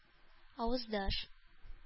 Аваздаш